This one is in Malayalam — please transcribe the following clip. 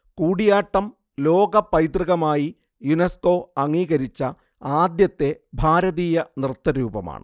കൂടിയാട്ടം ലോകപൈതൃകമായി യുനെസ്കോ അംഗീകരിച്ച ആദ്യത്തെ ഭാരതീയ നൃത്തരൂപമാണ്